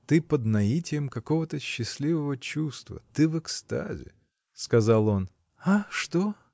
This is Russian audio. ты под наитием какого-то счастливого чувства, ты в экстазе!. — сказал он. — А что?